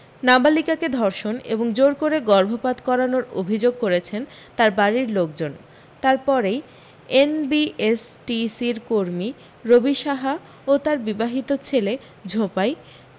নাবালিকাকে ধর্ষন এবং জোর করে গর্ভপাত করানোর অভি্যোগ করেছেন তার বাড়ীর লোকজন তার পরেই এনবিএসটিসির কর্মী রবি সাহা ও তাঁর বিবাহিত ছেলে ঝোপাই